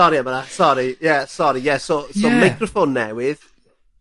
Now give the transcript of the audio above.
Sori am wnna sori ie sori ie so so... Ie. ...meicroffon newydd.